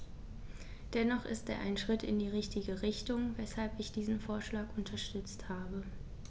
Dennoch ist er ein Schritt in die richtige Richtung, weshalb ich diesen Vorschlag unterstützt habe.